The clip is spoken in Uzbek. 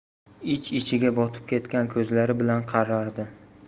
ich ichiga botib ketgan ko'zlari bilan qarar edi